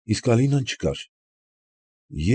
Իսկ Ալինան չկար։